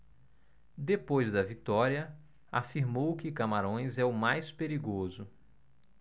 depois da vitória afirmou que camarões é o mais perigoso